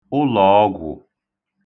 ụlọ̀ọgwụ̀